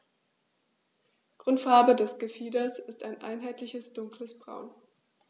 Grundfarbe des Gefieders ist ein einheitliches dunkles Braun.